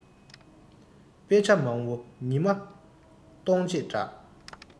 དཔེ ཆ མང བོ ཉི མ གཏོང བྱེད འདྲ